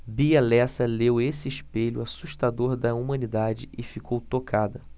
bia lessa leu esse espelho assustador da humanidade e ficou tocada